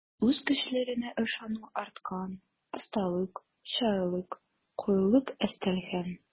Үз көчләренә ышану арткан, осталык, чаялык, кыюлык өстәлгән.